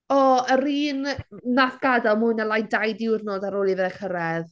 O yr un wnaeth gadael mwy na lai dau ddiwrnod ar ôl i fe cyrraedd.